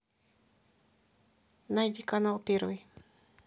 найди канал первый